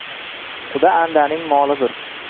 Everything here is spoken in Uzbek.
quda andaning moli bir